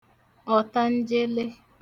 ọ̀tanjele